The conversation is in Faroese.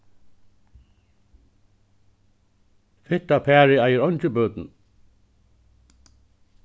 fitta parið eigur eingi børn